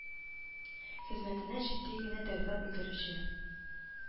Хезмәтенә җитди генә дәгъва белдерүче